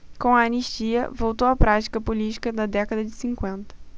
com a anistia voltou a prática política da década de cinquenta